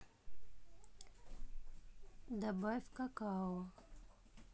добавь какао